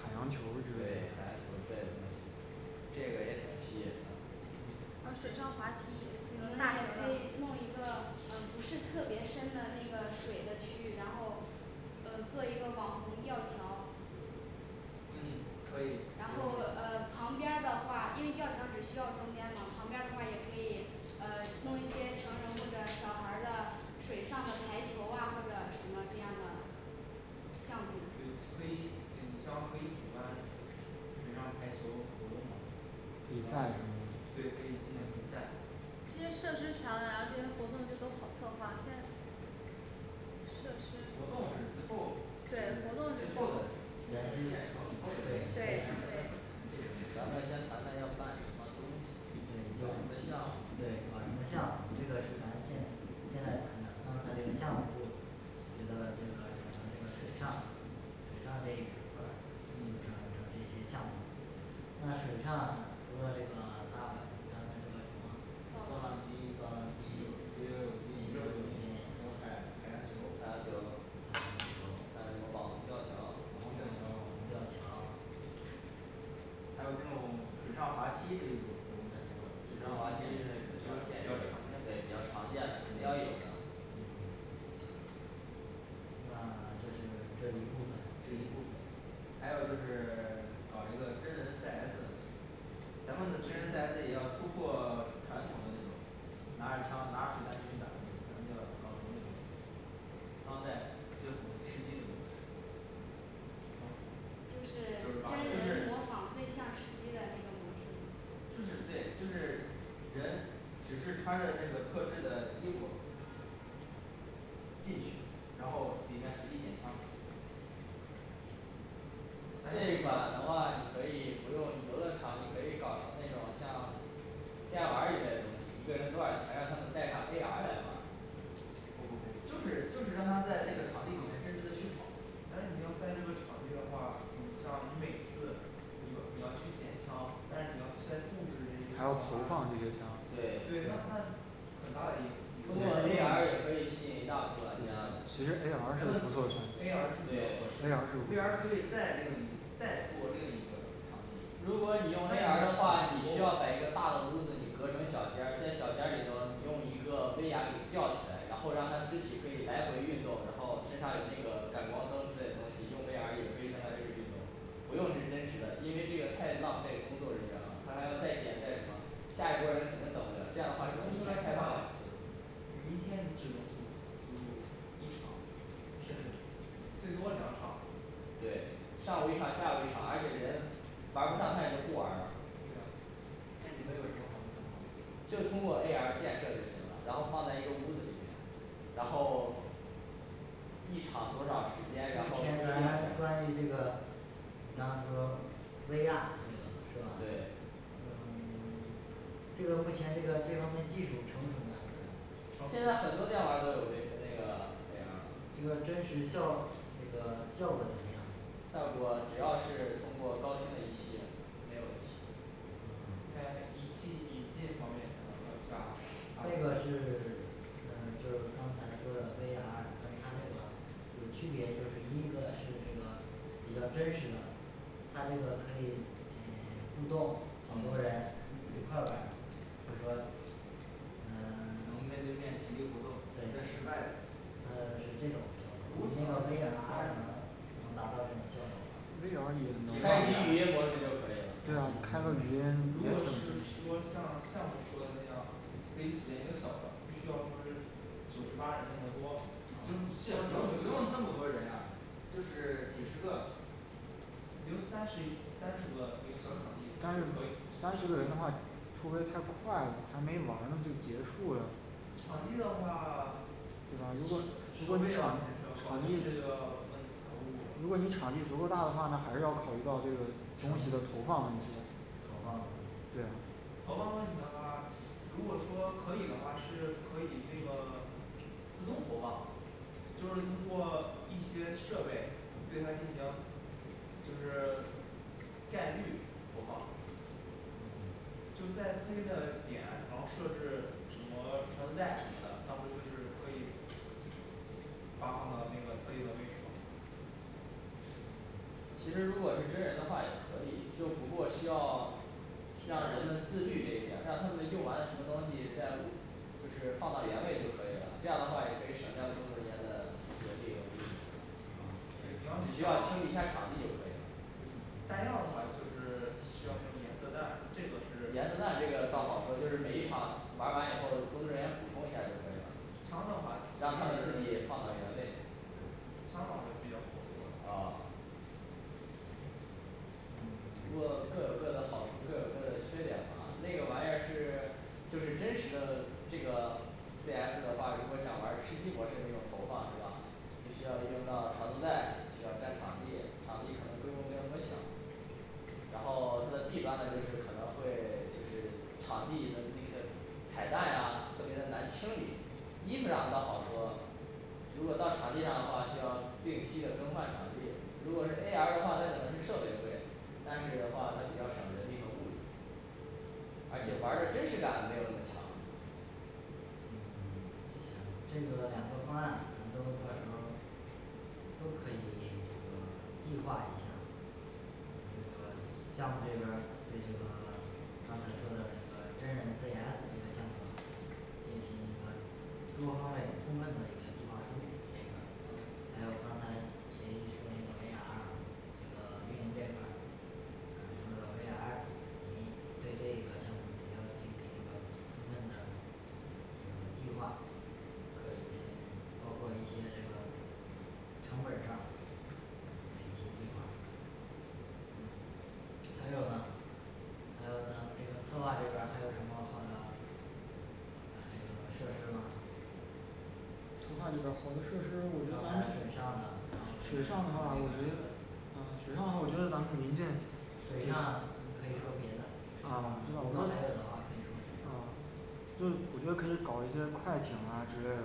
海洋球之对海类洋球的之类的东西这个也挺吸引人的还有噢水上滑梯我我们们大也人呢可以弄一个呃不是特别深的那个水的区域然后呃做一个网红吊桥嗯可以然后呃旁边的话因为吊桥只需要中间嘛，旁边的话也可以呃弄一些成人或者小孩儿的水上的排球啊或者什么这样的项目也可以水上可以举办水上排球比赛是对吗可以进行比赛因为设施全了然后这些活动就都好策划现在设施活动是最对后活的动最后的是咱现在说对对对咱们先谈谈要办什么东西，搞对什么项目对搞什么项目，这个是咱现现在谈的刚才那个项目部觉得这个整个这个水上水上这一块儿就说整这些项目，那水上除了这个大摆你刚才说的什么造造浪机造浪机激流勇激流进勇还有进海海洋球海洋球海洋球还有什么网红吊桥网红吊桥还有那种水上滑梯这种东西水上滑梯比肯定要建设对比比较较常见常见的肯定要有的嗯那这是这一部分这一部分还有就是搞一个真人C S 咱们的真人C S也要突破传统的这种拿着枪拿着水弹狙打的那种咱们就要搞成那种当代就是我们吃鸡的模式就是就是打真真人人模仿最像吃鸡的那种模式就是对就是人只是穿着那个特制的衣服进去，然后里面是可以捡枪这一款的话你可以不用游乐场，你可以搞成那种像电玩儿一类的东西，一个人多少钱让他们带上A R来玩儿不不不就是就是让他在那个场地里面真实的去跑但是你要在这个场地的话像你每次你呃你要去捡枪但是你要再布置还要投放这些枪对对那他还有一个通过A R也可以吸引一大部分玩家的其实A R是个不错的选择A R是不错对 A R A 是不 R 可错以再弄一再做另一个场地如果你用A R的话，你需要摆一个大的屋子，你隔成小间儿在小间儿里头，你用一个威亚给吊起来，然后让他肢体可以来回运动，然后身上有那个感光灯之类的东西，用V R也可以相当于是运动不用是真实的，因为这个太浪费工作人员了，他还要再捡再什么下一波人肯定等不了，这样的话只能一天开放两次一天你只嗯一场甚至最多两场对，上午一场下午一场，而且人玩儿不上他也就不玩儿了那你们有什么好的想法就通过A R建设就行了，然后放在一个屋子里面然后一场多少时间，然后目规定前咱一们下关于这个你刚说V R这个是吧对嗯 这个目前这个这方面技术成熟吗现在现成在很多电玩都有V那个A R 这个真实效这个效果怎么样效果只要是通过高清的仪器没有问题嗯像仪器仪器方面还有像这个是嗯就是刚才说的V R像它这个有区别就是一个是那个比较真实的他这个可以呃 互动好多人一块玩就说呃能面对 面体力活动在对室外的还有就是这个你那么V R能能达到这种效果吗 V R也能开启语音模式就可以了对啊开个语音如果是说像项目说的那样因为时间很少了必须要组织九十八人那么多最好不用不用那么多人呀就是几十个比如三十一三十个一个小场地但是就可三以十个人的话会不会太快了，还没玩儿呢就结束了场地的话对吧？如果如果你场场地这个不能如果你场地足够大的话，那还是要考虑到这个整体的投放问题投放问题对呀投放问题的话，如果说可以的话是可以那个 不用投放就是通过一些设备对它进行就是概率投放嗯就在这个点，然后设置符合存在什么的，到时候就是可以发放到那个特定的位置嗯行其实如果是真人的话也可以，就不过需要让人的自律这一点儿，让他们用完了什么东西在物就是放到原位就可以了，这样的话也可以省掉工作人员的人力和物力啊只是需你要要清理下儿场地就可以了嗯 弹药的话就是需要什么颜色弹这个是颜色弹这个倒好说就是每一场玩儿完以后，工作人员补充一下就可以了枪的话让他们就是自己放到原位对枪的话就比较好说了噢 不嗯过各有各的好处，各有各的缺点嘛，那个玩意儿是就是真实的这个C S的话如果想玩吃鸡模式这种投放是吧？必须要运用到传送带，需要占场地，场地可能规模没有那么小然后它的弊端呢就是可能会就是场地的那个彩弹啊特别的难清理，衣服上倒好说如果到场地上的话，需要定期的更换场地，如果是A R的话，它可能是设备贵，但是的话它比较剩人力和物力而且玩儿的真实感没有那么强嗯 行这个两个方案咱都到时候儿都可以这个计划一下咱这个项目这边儿对这个 刚才说的那个真人C S这个项目进行一个多方位充分的那个计划书这个还有刚才你说的那个V R这个运营这块儿呃说的V R你对这个项目也要进行一个充分的呃计划可嗯以 包括那些是吧成本儿上的一些计划还有吗还有咱们这个策划这边儿还有什么好的咱这个设施吗策划这边好多设施我觉得水水上上吗的然后话我觉得呃水上的话我觉得咱们临近水上你可以说别的啊我知如果还有的道话可以说别的啊就是我觉得可以搞一些快艇啊之类的